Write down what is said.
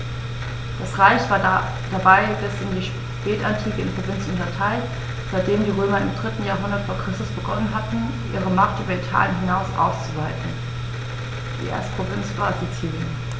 Das Reich war dabei bis in die Spätantike in Provinzen unterteilt, seitdem die Römer im 3. Jahrhundert vor Christus begonnen hatten, ihre Macht über Italien hinaus auszuweiten (die erste Provinz war Sizilien).